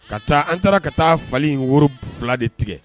Ka taa an taara ka taa fali woro fila de tigɛ